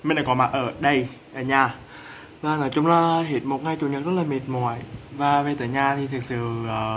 mình đã có mặt ở đây nhà và nói chung là hết một ngày chủ nhật rất là mệt mỏi và về tới nhà thì thực sự